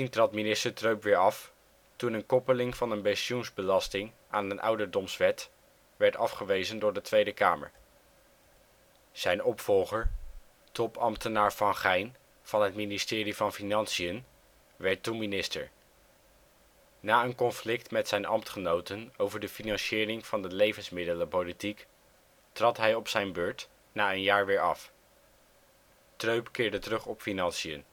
trad minister Treub weer af toen een koppeling van een pensioenbelasting aan een ouderdomswet werd afgewezen door de Tweede Kamer. Zijn opvolger, topambtenaar Van Gijn van het ministerie van Financiën, werd toen minister. Na een conflict met zijn ambtgenoten over de financiering van de levensmiddelenpolitiek trad hij op zijn beurt na een jaar weer af. Treub keerde terug op Financiën